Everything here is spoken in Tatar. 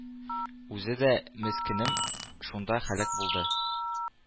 Үзе дә, мескенем, шунда һәлак булды.